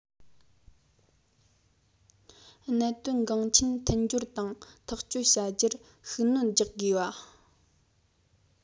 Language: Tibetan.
གནད དོན འགངས ཆེན མཐུན སྦྱོར དང ཐག གཅོད བྱ རྒྱུར ཤུགས སྣོན རྒྱག དགོས པ